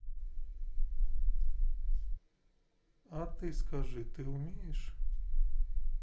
а ты расскажи ты умеешь